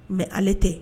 Mɛ ale tɛ